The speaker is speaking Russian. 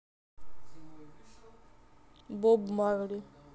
боб марли